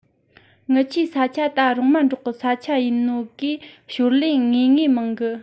ངུ ཆའི ས ཆ ད རོང མ འབྲོག གི ས ཆ ཡིན ནོ གིས ཞོར ལས ངེས ངེས མང གི